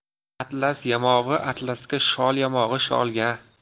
atlas yamog'i atlasga shol yamog'i sholga